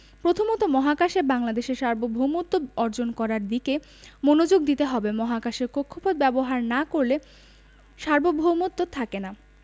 প্রথমত মহাকাশে বাংলাদেশের সার্বভৌমত্ব অর্জন করার দিকে মনোযোগ দিতে হবে মহাকাশের কক্ষপথ ব্যবহার না করলে সার্বভৌমত্ব থাকে না